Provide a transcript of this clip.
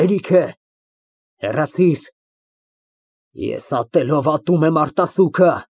Հերիք է, հեռացիր, ես ատելով ատում եմ արտասուքը։